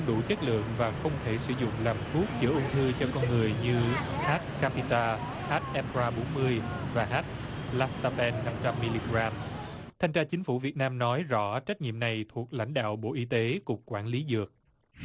đủ chất lượng và không thể sử dụng làm thuốc chữa ung thư cho con người như hát ca pi ta và há en pê ra bốn mưi và hát la sa pen năm trăm mi li gờ ram thanh tra chính phủ việt nam nói rõ trách nhiệm này thuộc lãnh đạo bộ y tế cục quản lý dược